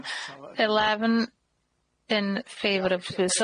Eleven in favour of refusal